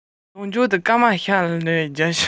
ཁོས མི རྒན སྨ ར ཅན དེ ལ ལད མོ བྱས པ འདྲ